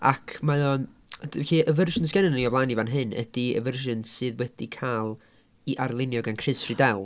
Ac mae o'n, d- felly y fersiwn sy gennyn ni o flaen ni fan hyn ydi y fersiwn sydd wedi cael ei arlunio gan Chris Riddell.